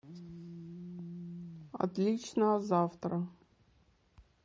отлично а завтра